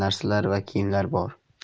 narsalar va kiyimlar bor